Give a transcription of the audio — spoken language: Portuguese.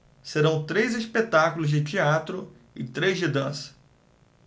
serão três espetáculos de teatro e três de dança